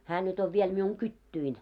hän nyt on vielä minun kytyni